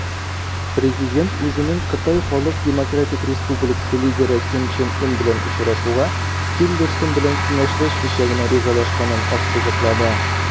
Президент үзенең КХДР лидеры Ким Чен Ын белән очрашуга Тиллерсон белән киңәшләшмичә генә ризалашканын ассызыклады.